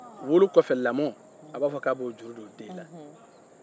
wolo kɔfɛ lamɔ a b'a fɔ k'a b'o juru don den na